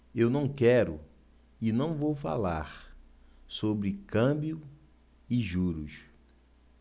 eu não quero e não vou falar sobre câmbio e juros